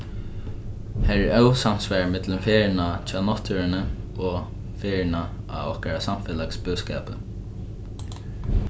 har er ósamsvar millum ferðina hjá náttúruni og ferðina á okkara samfelagsbúskapi